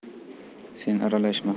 sen aralashma